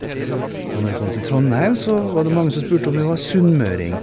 Og når jeg kom til Trondheim, så var det mange som spurte om jeg var sunnmøring.